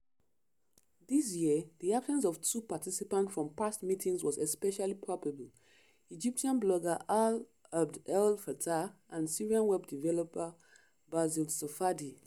This year, the absence of two participants from past meetings was especially palpable: Egyptian blogger Alaa Abd El Fattah and Syrian web developer Bassel Safadi.